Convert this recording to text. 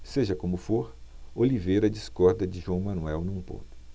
seja como for oliveira discorda de joão manuel num ponto